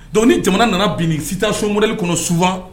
Dɔnkuc ni jamana nana bin sita so wɛrɛli kɔnɔ sufa